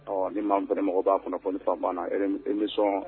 Ɔ ni maa min fɛnɛ magɔ b'a kunafoni sanpa na ɛrɛm émission